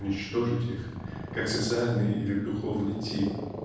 уничтожить их как социальный или духовный тип